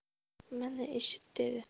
mana eshit dedi